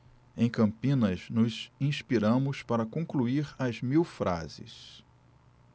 em campinas nos inspiramos para concluir as mil frases